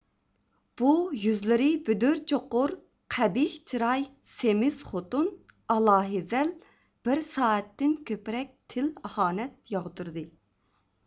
بۇ يۈزلىرى بۈدۈر چوقۇر قەبىھ چىراي سېمىز خوتۇن ئالاھازەل بىر سائەتتىن كۆپرەك تىل ئاھانەت ياغدۇردى